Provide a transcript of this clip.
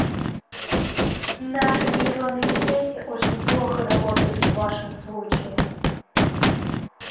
наши нейронные сети очень плохо работают в вашем случае